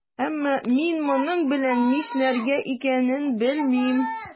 Әмма мин моның белән нишләргә икәнен белмим.